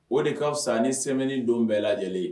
O de ka fisa ni semaine don bɛɛ lajɛlen ye